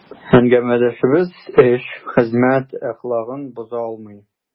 Әңгәмәдәшебез эш, хезмәт әхлагын боза алмый.